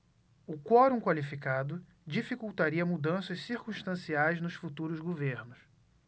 o quorum qualificado dificultaria mudanças circunstanciais nos futuros governos